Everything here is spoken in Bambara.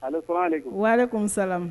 Ale fana ale kun sa